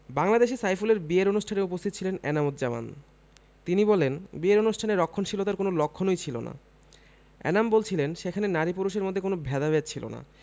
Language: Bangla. বাংলাদেশে সাইফুলের বিয়ের অনুষ্ঠানেও উপস্থিত ছিলেন এনাম উজজামান তিনি বলেন বিয়ের অনুষ্ঠানে রক্ষণশীলতার কোনো লক্ষণই ছিল না এনাম বলছিলেন সেখানে নারী পুরুষের মধ্যে কোনো ভেদাভেদ ছিল না